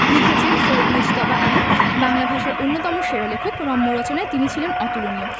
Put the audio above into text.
লিখেছেনঃ সৈয়দ মুজতবা আলী বাংলা ভাষার অন্যতম সেরা লেখক রম্য রচনায় তিনি ছিলেন অতুলনীয়